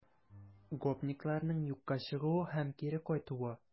Гопникларның юкка чыгуы һәм кире кайтуы